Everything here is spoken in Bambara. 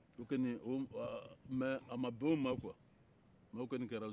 o kɔni mɛ a bɛn u ma quoi mɛ o kɔni kɛra